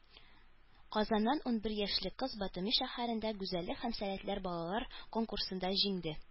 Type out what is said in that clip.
Казаннан ун бер яшьлек кыз Батуми шәһәрендә гүзәллек һәм сәләтләр балалар конкурсында җиңде